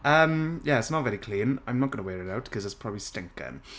umm yeah, it's not very clean I'm not going to wear it out cause it's probably stinking.